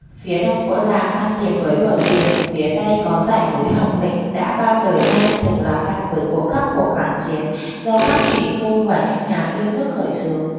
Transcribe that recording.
phía đông của làng ăn liền với bờ biển phía tây có dãy núi hồng lĩnh đã bao đời nay từng là căn cứ của các cuộc kháng chiến do các sĩ phu và những nhà yêu nước khởi xướng